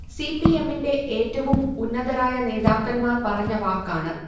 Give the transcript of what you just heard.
C. P. എ മ്മിന്റെ ഏറ്റവും ഉന്നതരായ നേതാക്കന്മാർ പറഞ്ഞ വാക്കാണ്